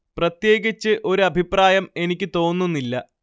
പ്രത്യേകിച്ച് ഒരഭിപ്രായം എനിക്ക് തോന്നുന്നില്ല